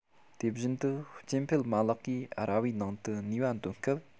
དེ བཞིན དུ སྐྱེ འཕེལ མ ལག གིས ར བའི ནང དུ ནུས པ འདོན སྐབས